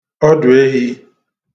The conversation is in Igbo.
ọdụ̀ehī